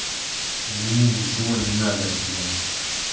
мне ничего не надо от тебя